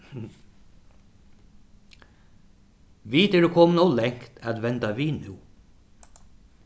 vit eru komin ov langt at venda við nú